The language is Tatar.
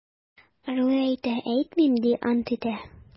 Ярлы әйтә: - әйтмим, - ди, ант итә.